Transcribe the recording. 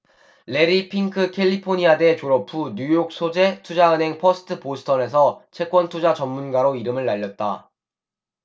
래리 핑크 캘리포니아대 졸업 후 뉴욕 소재 투자은행 퍼스트 보스턴에서 채권투자 전문가로 이름을 날렸다